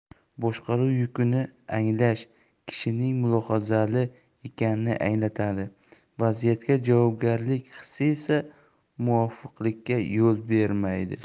boshqaruv yukini anglash kishining mulohazali ekanini anglatadi vaziyatga javobgarlik hissi esa munofiqlikka yo'l bermaydi